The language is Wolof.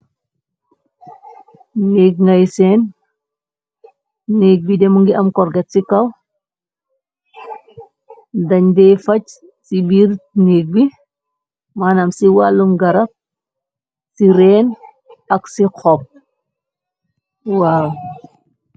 Né ngay seen, néeg bi dem ngi am korgat ci kaw, dañ dey faj ci biir néeg bi, maanam ci wàllu ngarab, ci reen ak ci xopb, waaw.